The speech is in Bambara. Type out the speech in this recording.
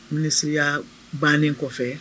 Misisiya bannen kɔfɛ